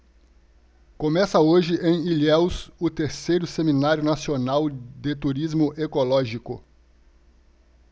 começa hoje em ilhéus o terceiro seminário nacional de turismo ecológico